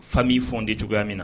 Fami fɔ n tɛ cogoyaya min na